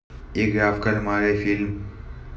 игра в кальмара фильм